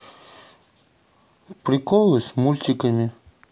приколы с мультиками